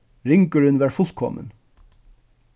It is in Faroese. ringurin var fullkomin